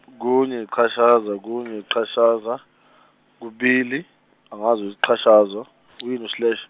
kunye ichashaza kunye ichashaza, kubili, angazi chashaza, uyini i slash.